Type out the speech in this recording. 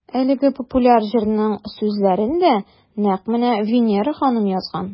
Әлеге популяр җырның сүзләрен дә нәкъ менә Винера ханым язган.